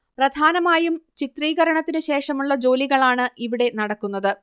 പ്രധാനമായും ചിത്രീകരണത്തിന് ശേഷമുള്ള ജോലികളാണ് ഇവിടെ നടക്കുന്നത്